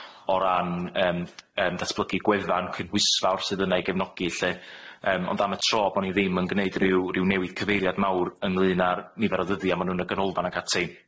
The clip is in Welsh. o ran yym yym datblygu gwefan cynhwysfawr sydd yna i gefnogi lly. Yym ond am y tro bo' ni ddim yn gneud ryw ryw newid cyfeiriad mawr ynglŷn â'r nifer o ddyddia ma' nw'n y ganolfan ac ati.